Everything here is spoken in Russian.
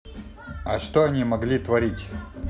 а что они могли творить